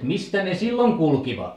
mistä ne silloin kulkivat